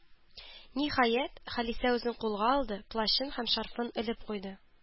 Ниһаять, Халисә үзен кулга алды, плащын һәм шарфын элеп куйды.